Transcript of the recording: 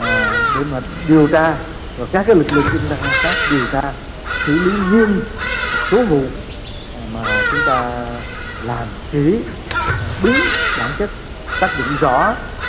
à để mà điều tra các cái lực lượng chức năng khác điều tra xử lý nghiêm một số vụ mà chúng ta làm kỹ đúng bản chất xác định rõ